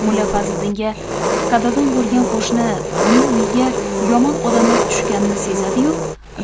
mulla fazliddinga qadrdon bo'lgan qo'shni uning uyiga yomon odamlar tushganini sezadi yu